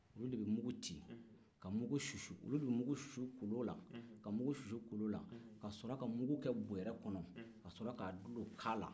olu de bɛ mugu ci ka mugu susu olu bɛ mugu susu kolon na ka mugu susu kolon na ka sɔrɔ ka mugu kɛ bɔrɛ kɔnɔ ka sɔrɔ ka bulon u kan na